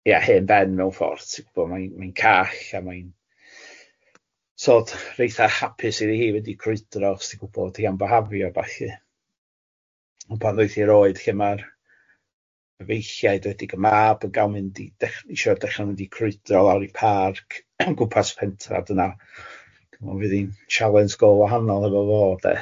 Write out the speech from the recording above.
ia hen ben mewn ffordd ti'n gwybo mae'n call, a mae'n sort of reitha hapus iddi hi fynd i crwydro achos ti'n gwybod hi am byhafio a ballu, ond pan ddoith hi'r oed lle ma'r efeilliaid, enwedig y mab yn gal mynd i dech- isio dechra mynd i crwydro lawr i parc, o gwmpas pentra dyna, dwi fydd hi'n challenge go wahanol efo fo de.